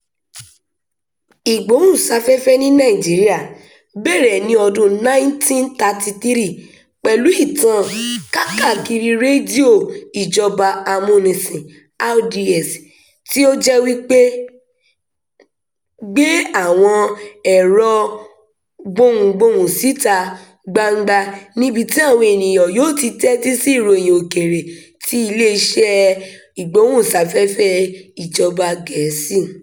Ìgbóhùnsáfẹ́fẹ́ ní Nàìjíríà bẹ̀rẹ̀ ní ọdún-un 1933 pẹ̀lú Ìtàn káàkiri Rédíò Ìjọba Amúnisìn (RDS), tí ó jẹ́ wípé gbé àwọn ẹ̀rọ-gbohùngbohùn sí ìta gbangba níbi tí àwọn ènìyàn yóò ti tẹ́tí sí ìròyìn òkèèrè ti Iléeṣẹ́ Ìgbóhùnsáfẹ́fẹ́ Ìjọba Gẹ̀ẹ́sì.